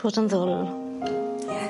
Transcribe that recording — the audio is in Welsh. Bod yn ddwl. Ia.